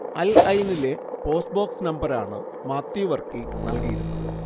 അൽ ഐനിലെ post box നമ്പരാണ് മാത്യു വർക്കി നൽകിയിരുന്നത്